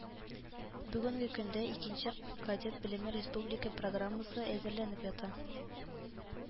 Бүгенге көндә икенче кадет белеме республика программасы әзерләнеп ята